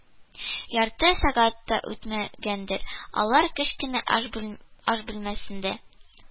Ярты сәгать тә үтмәгәндер, алар кечкенә аш бүлмәсендә,